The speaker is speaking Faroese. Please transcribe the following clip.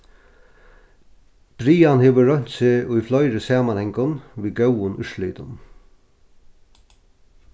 brian hevur roynt seg í fleiri samanhangum við góðum úrslitum